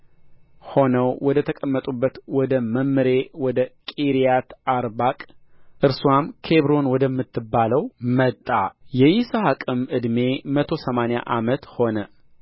ሆነው ወደ ተቀመጡባት ወደ መምሬ ወደ ቂርያትአርባቅ እርስዋም ኬብሮን ወደምትባለው መጣ የይስሐቅም ዕድሜ መቶ ሰማንያ ዓመት ሆነ